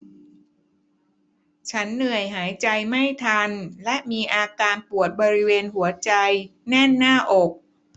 ฉันเหนื่อยหายใจไม่ทันและมีอาการปวดบริเวณหัวใจแน่นหน้าอก